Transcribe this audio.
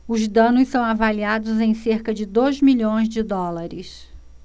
os danos são avaliados em cerca de dois milhões de dólares